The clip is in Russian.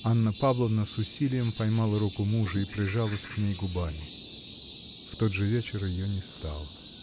Анна Павловна с усилием поймала руку мужа и прижалась к ней губами. В тот же вечер ее не стало.